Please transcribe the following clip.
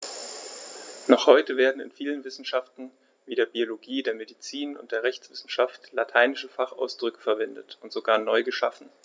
Noch heute werden in vielen Wissenschaften wie der Biologie, der Medizin und der Rechtswissenschaft lateinische Fachausdrücke verwendet und sogar neu geschaffen.